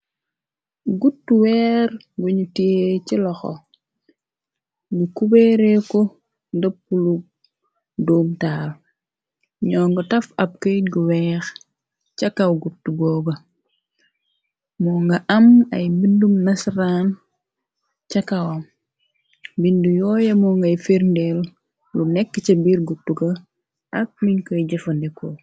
Gut weer guñu tee ci loxo, yu kubeeree ko ndëpp lu doom taal, ñoo nga taf ab këy gu weex ca kaw gut googa, moo nga am ay bindum nasraan ca kawam, bindu yooye moo ngay firndeel lu nekk ca biir guttu ga, ak miñ koy jëfandekoo.